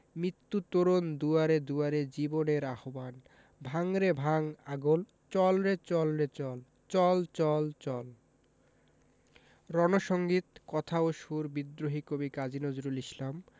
মিত্যু তরণ দুয়ারে দুয়ারে জীবনের আহবান ভাঙ রে ভাঙ আগল চল রে চল রে চল চল চল চল রন সঙ্গীত কথা ও সুর বিদ্রোহী কবি কাজী নজরুল ইসলাম